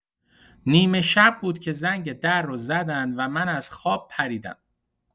نیمه‌شب بود که زنگ در رو زدن و من از خواب پریدم.